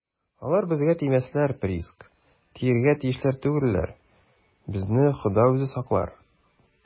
- алар безгә тимәсләр, приск, тияргә тиеш түгелләр, безне хода үзе саклар.